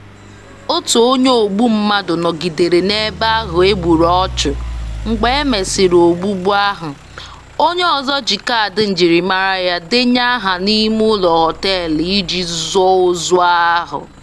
Otu onye ogbu mmadụ nọgidere n'ebe ahụ e gburu ọchụ mgbe e mesịrị ogbugbu ahụ; onye ọzọ ji kaadị njirimara ya denye aha n'imeụlọ họteelụ iji zoo ozu ahụ.